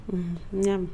Un ɲaa